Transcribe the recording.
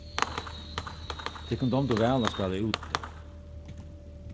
tykkum dámdi væl at spæla úti